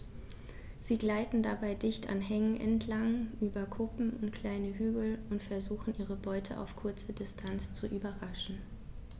Sie gleiten dabei dicht an Hängen entlang, über Kuppen und kleine Hügel und versuchen ihre Beute auf kurze Distanz zu überraschen.